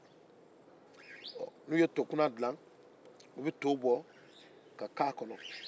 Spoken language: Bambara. n'u ye tokunan dila u bɛ to bɔ k'a kɛ a kɔnɔ